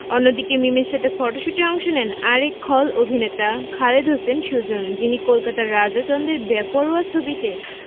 অন্যদিকে মিমের সাথে ফটশুটে অংশ নেন আরেক খল অভিনেতা খালেদ হোসেন সুজন যিনি কলকাতার রাজা চন্দের বেপরোয়া ছবিতে